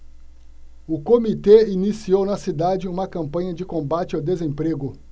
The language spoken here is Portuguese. o comitê iniciou na cidade uma campanha de combate ao desemprego